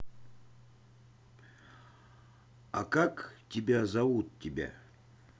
а как тебя зовут тебя